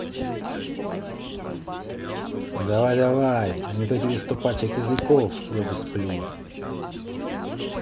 давай давай а не то тебе сто пачек языков вроде сплю